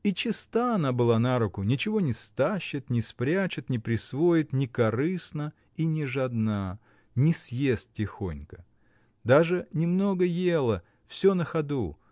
И чиста она была на руку: ничего не стащит, не спрячет, не присвоит, не корыстна и не жадна: не съест тихонько. Даже немного ела, всё на ходу